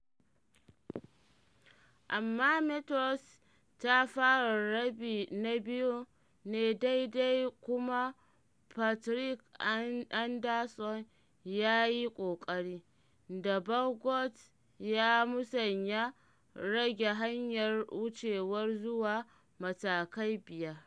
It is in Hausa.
Amma Melrose ta fara rabi na biyun ne daidai kuma Patrick Anderson ya yi kokari, da Baggot ya musanya, rage hanyar wucewar zuwa matakai biyar.